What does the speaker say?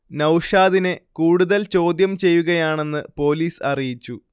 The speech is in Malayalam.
നൗഷാദിനെ കൂടുതൽ ചോദ്യം ചെയ്യുകയാണെന്ന് പോലീസ് അറിയിച്ചു